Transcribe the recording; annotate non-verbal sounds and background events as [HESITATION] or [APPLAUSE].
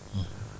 [HESITATION] [HESITATION]